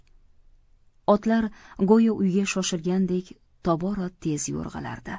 otlar go'yo uyga shoshilayotgandek tobora tez yo'rg'alardi